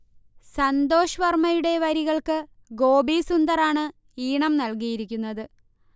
സന്തോഷ് വർമയുടെ വരികൾക്ക് ഗോപീ സുന്ദറാണ് ഈണം നൽകിയിരിക്കുന്നത്